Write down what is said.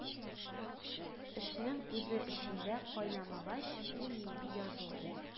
Эшнең үзе эчендә кайнамагач, ул нинди язу ул